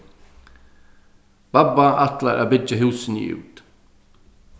babba ætlar at byggja húsini út